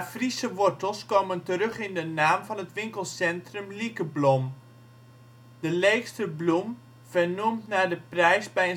Friese wortels komen terug in de naam van het winkelcentrum ' Liekeblom ', de Leeksterbloem vernoemd naar de prijs bij